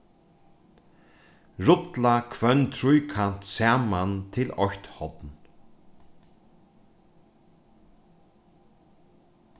rulla hvønn tríkant saman til eitt horn